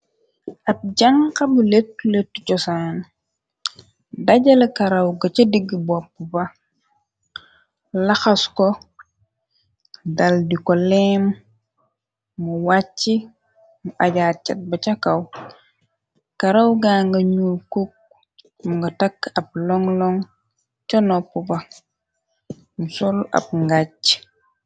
Ab jànxa bu lettu lettu cxosaan dajala karaw ga ca digg bopaba bax laxas ko dal di ko leem mu wàcc mu ajaat cet ba ca kaw karawga nga ñuul cuok monga ga takk ab long loŋg ca nopp bax mu solu ab ngacc.